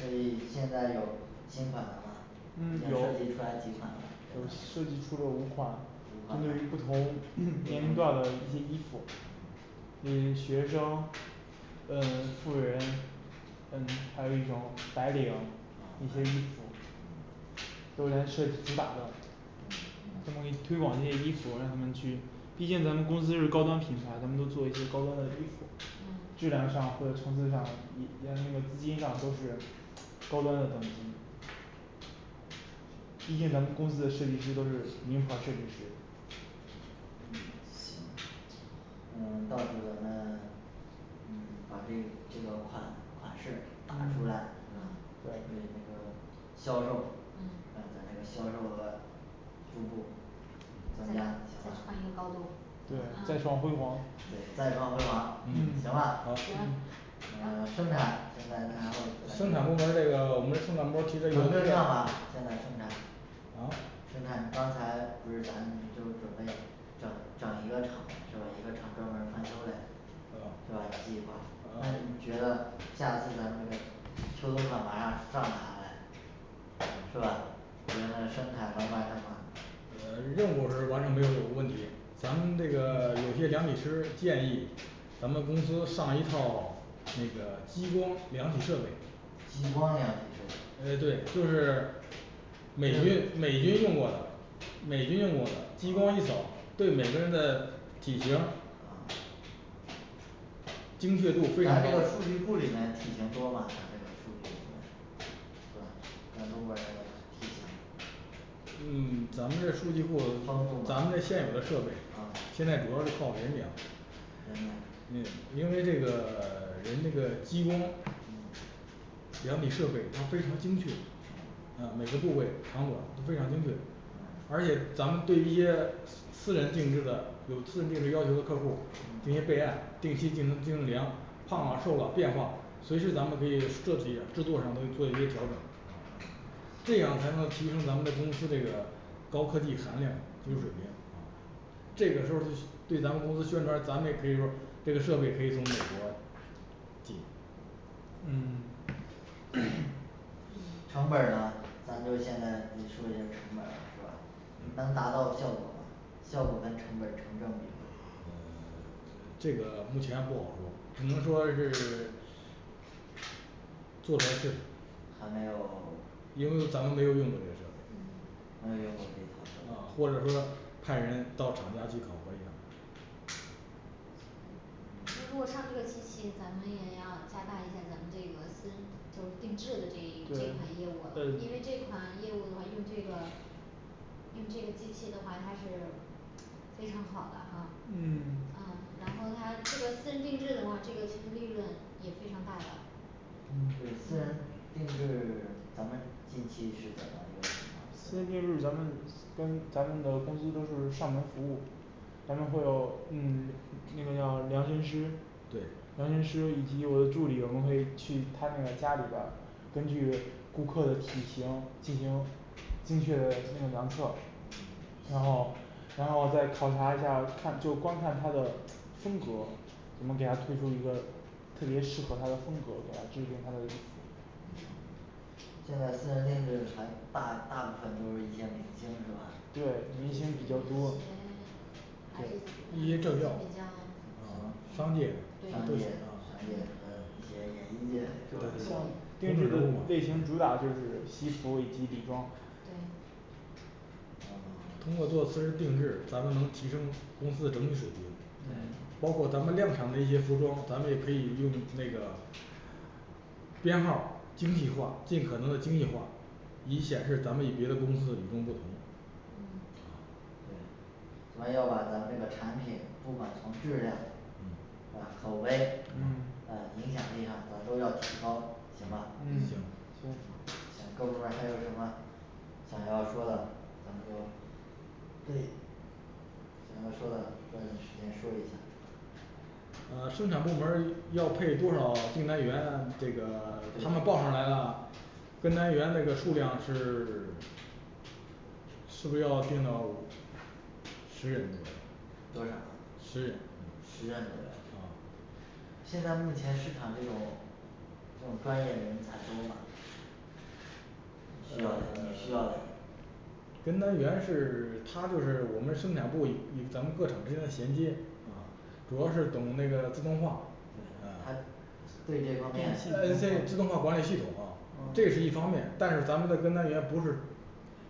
设计现在有新款了吗已嗯经，设有计出来几款了我现在设计出了五目款前针对于不同年龄段的一些衣服，嗯学生、呃妇人嗯还有一种白领啊啊一白些衣领服，多元设计主打的这么一推广这些衣服，让他们去毕竟咱们公司是高端品牌，咱们就做一些高端的衣服，嗯质量上或者投资上也按那个资金上都是高端的等级毕竟咱们公司的设计师都是名牌儿设计师。嗯行嗯到时候儿咱们嗯把这个这个款款式打出来嗯，对吧为那个销售让嗯咱那个销售额逐步增增加长再上一行吧个高度对，行吧再创辉煌对再创辉煌行嗯嗯吧行嗯生产现在然后生产部门儿咱这就个我们的生产部能门儿提的有跟上吗现在生产啊生产你刚才不是咱们就是准备整整一个厂是吧？一个厂专门装修嘞，是吧啊有计划那你啊觉得下次咱们这个秋冬款马上上来啊嘞是吧？你觉得生产能完成吗？呃任务是完成没有问题，咱们这个有些量体师建议咱们公司上一套那个激光量体设备，激光量体设备嗯对。就是这美军个美军用过的美军用过的激光一扫哦，对每个人的体型啊精确度非咱常高这个数据库里面体型多吗咱这个数据里面是吧，咱中国人的体型嗯咱们这数据库丰富吗，嗯咱们现有的设备啊现在主要是靠人脸人嗯脸嗯因为这个 人这个激光量体设备它非常精确，啊每个部位长短都非常精准，而且咱们对一些私人定制的有私人定制要求的客户进行备案，定期进行进行量胖了瘦了变化，随时咱们可以设计制作上都做一些调整这啊样才行能提升咱们的公司这个高科技含量技术水平啊。这个时候对咱们公司宣传，咱们也可以说这个设备可以从美国嗯 成本儿呢咱们就现在可以说一下儿成本儿是吧？嗯能达到效果吗？效果跟成本成正比呃吗 这个目前不好说只能说是做出来试试还没有， 因为咱们这用过这个设备没有用过啊这套设备或者说派人到厂家去考核一下如嗯果上这个机器咱们也要加大一下儿咱们这个私人就是定制的这一这对款业务，因对为这款业务的话用这个用这个机器的话它是非常好的哈，嗯啊然后它这个私人定制的话这个纯利润也非常大的对嗯 私人定制咱们近期是怎么一个情况私私人人订制，咱们跟咱们的公司都是上门服务，咱们会有嗯那个叫量身师对量身师以及我的助理，我们会去他们那个家里边儿根据顾客的体型进行精确的那个量测。嗯然后然后再考察一下儿，看就光看他的风格我们给他推出一个特别适合他的风格，给他制定他的嗯现在私人定制还大大部分都是一线明星是吧？对明星比还较有多。一些什什商么界商界商都有界对和一些演艺界的是吧定制的类型主打就是西服以及礼装对嗯通过。做私人行定制，咱们能提升公司的整体水平嗯包括咱们量产的一些服装，咱们也可以用那个编号儿精细化，尽可能的精细化，以显示咱们与别的公司的与众不同。嗯好对咱要把咱这个产品不管从质量、啊口碑嗯、啊影响力上咱都要提高行吧嗯行行行各部门儿还有什么想要说的，咱们就对想要说的抓紧时间说一下。啊生产部门儿要配多少订单员，这个 他们报上来了，跟单员这个数量是 是不是要定到？十人左右多少十人十人左右啊现现在目前市场这种这种专业人才多吗？需呃要嘞 你需要嘞跟单员是他就是我们生产部一 与咱们各厂之间的衔接啊啊主要是懂那个自动化对他对这方面诶对自动化管理系统，这是嗯一方面，但是咱们的跟单员不是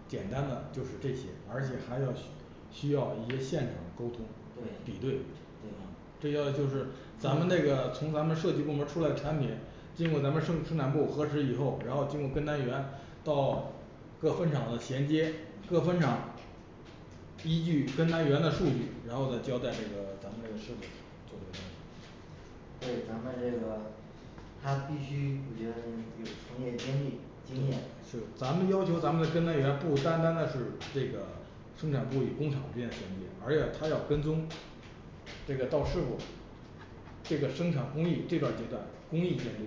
简单的就是这些，而且还嗯要需需要一些现场的沟通对比对对这要就是咱们那个从咱们设计部门出来产品经过咱们生生产部核实以后，然后经过跟单员到各分厂的衔接，各分厂依据跟单员的数据，然后再交代那个咱们那个设备做这个东西。对咱们这个他必须你觉得有从业经历经验是咱们要求咱们的跟单员不单单的是这个生产部与工厂之间的衔接，而且他要跟踪这个到事故这个生产工艺制造阶段，工艺监督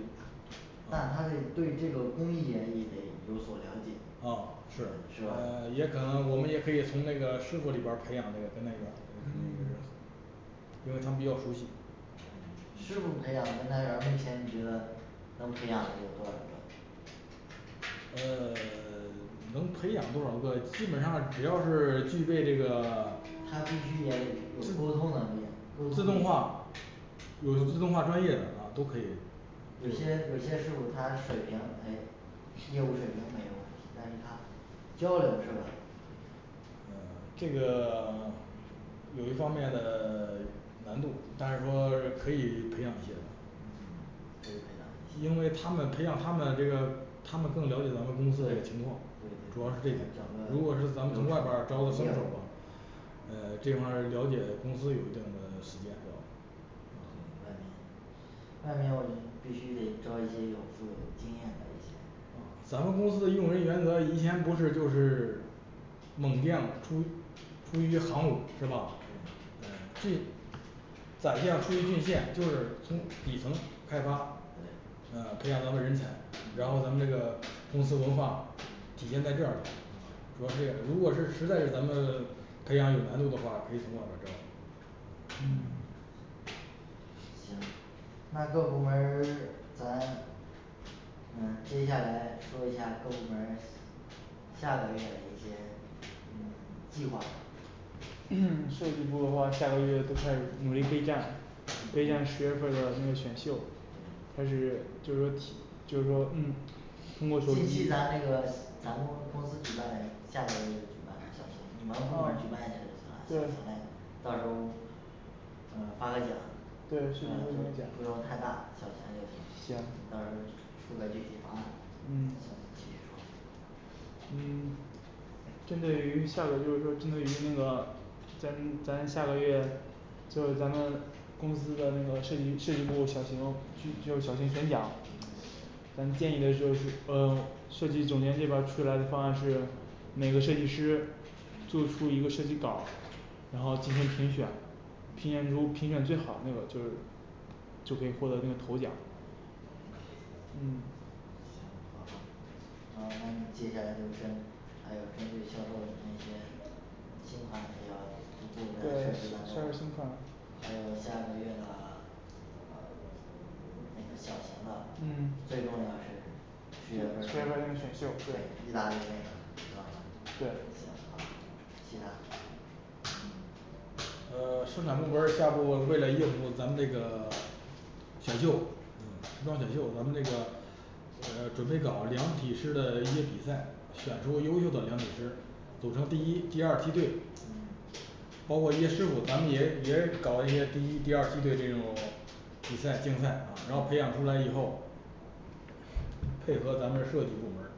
但他嘞对这个工艺也也得有所了解啊是是吧也可能我们也可以从那个师傅里边儿培养那个跟那个，因为他们比较熟悉。师傅培养跟单员目前你觉得能培养嘞有多少个？呃 能培养多少个，基本上只要是具备这个呃他必须也得有沟通能力呀，沟自通动力化有自动化专业的啊都可以。有些有些事物他水平还有业务水平没有问题，但是他交流是吧？呃 这个 有一方面的 难度，但是说可以培养一些吧嗯可以培因养一为些他们培养他们这个他们更了解咱们公司嘞情况对对，主要对是这点对咱，如整果是个咱们流从外边程儿招整的生手个儿吧业，务呃这块儿了解公司有一定的时间了呃外面外面我们必须得招一些有富有经验的一些咱们公司的用人原则，以前不是就是猛将出出于航母是吧对宰相出于进献，就是从底层开发对呃培养咱们人才，然后咱们这个公司文化体现在这儿主要是如果是实在是咱们培养有难度的话，可以从外边儿招。嗯嗯行那各部门儿咱嗯接下来说一下各部门下个月的一些嗯计划 设计部的话下个月都开始努力备战备战十月份儿的那个选秀，开始就是就是说通过手近期机啊咱这个咱公公司举办嘞下个月就举办小型，你们部门儿举办一次就行啦对小型嘞到时候嗯发个奖对设计大赛奖不用太大行，小钱就行行到时候出个具体方案。 行你嗯继续说嗯针对于下个月就是说针对于那个咱咱下个月就是咱们公司的那个设计设计部小型小型宣讲，咱建议的就是呃设计总监这边儿出来的方案是每个设计师做嗯出一个设计稿儿，然后进行评选，评选出嗯评选最好那个就是就可以获得那个头奖。嗯行好的然后那你接下来就针还有针对销售那些新款也要逐步的设对计当，销售新款中还有下个月啊呃嗯那个小型的嗯最重要的是十十月月份份儿儿那的个选秀对对意大利那个知道吗行好对了。其他呃生产部门儿下步为了应付咱们这个选秀服装选秀咱们这个呃准备搞量体师的一个比赛，选出优秀的量体师组成第一第二梯队嗯包括一些师傅，咱们也也搞一些第一第二梯队这种比赛竞赛，啊然后培养出嗯来以后，配合咱们这儿设计部门儿，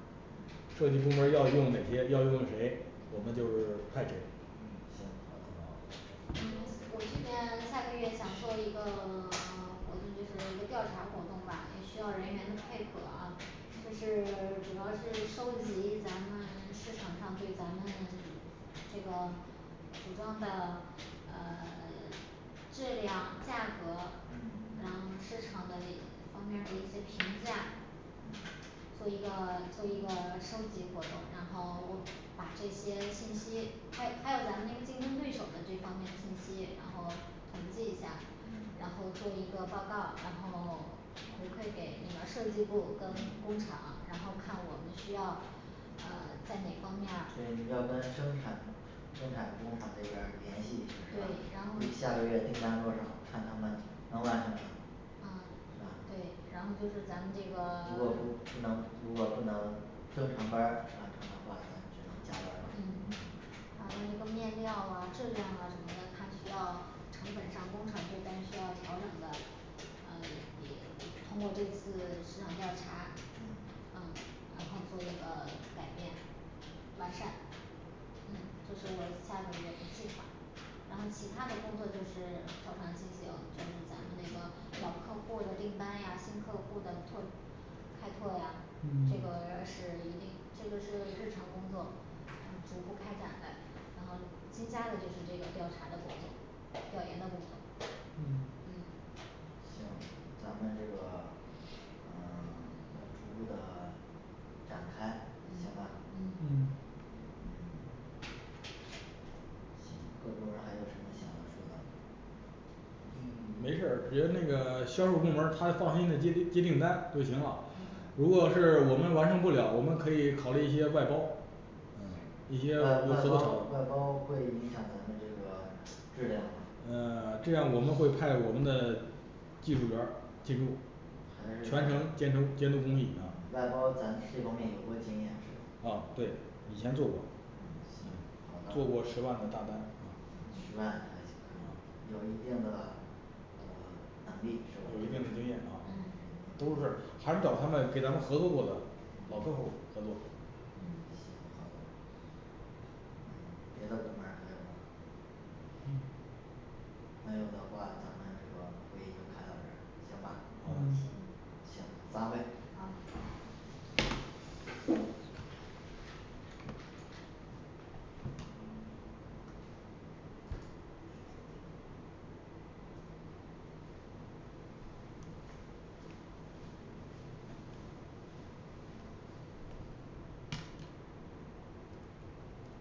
设嗯计部门儿要用哪些要用谁，我们就是嗯派谁。嗯，行，好嗯我这边下个月想做一个 活动就是一个调查活动吧，也需要人员的配合啊，就是嗯主要是收集咱们市场上对咱们这个服装的呃 质量价格嗯然后市场的方面儿的一些评价做一个做一个收集活动，然后把这些信息还还有咱们这个竞争对手的这方面的信息，然后统计一下，然后做一个报告然后回馈给那个设计部跟工厂，然后看我们需要呃在哪方面所儿，以要跟生产生产工厂这边儿联系一下对儿是吧，然后你下个月订单多少，看他们能完成吗？啊是吧对然后就是咱们这个如果不如果不能正常班的话只能就加班了。嗯好像那个面料儿啊质量啊什么的，它需要成本上工程这边需要调整的，嗯通过这次市场调查嗯，嗯然后做一个改变完善，嗯这是我下个月的计划。 然后其他的工作就是照常进行就是咱们那个老客户儿的订单呀新客户的拓开拓呀这个主嗯要是一定这个是日常工作逐步开展了，然后增加的就是这个调查的工作，调研的工作嗯嗯行咱们这个呃要逐步的展开行吧。嗯嗯嗯行各部门儿还有什么想要说的吗？嗯没事儿，直接那个销售部门儿他放心的接接订单就行了，如果是我们完成不了，我们可以考虑一些外包嗯一嗯外外些外包包外包会影响咱们这个质量吗呃这样我们会派我们的技术员儿监督，全程监督监督工艺啊外包咱这方面有过经验是吧嗯对以前做过嗯行，做好的过十万的大嗯单十万还可以有一定的呃能力，是吧有一定的经验啊嗯这都个是成还是找他们给咱们合作过的。 老客户合作。嗯，行好的别的部门儿还有吗？嗯没有的话，咱们这个会议就开到这儿，行吧？行嗯行，散会啊